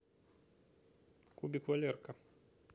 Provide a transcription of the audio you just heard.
кубик валерка